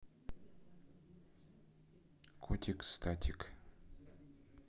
котик статик